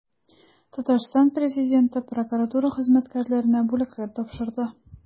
Татарстан Президенты прокуратура хезмәткәрләренә бүләкләр тапшырды.